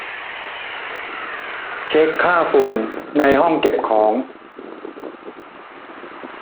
เช็คค่าฝุ่นในห้องเก็บของ